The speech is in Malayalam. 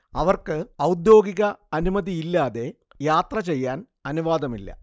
അവർക്ക് ഔദ്യോഗിക അനുമതിയില്ലാതെ യാത്രചെയ്യാൻ അനുവാദമില്ല